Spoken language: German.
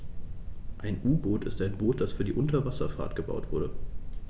Ein U-Boot ist ein Boot, das für die Unterwasserfahrt gebaut wurde.